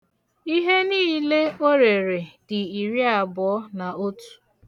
Ihe niile o rere dị iriabụọ na otu.